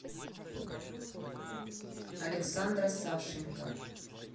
александра сашенька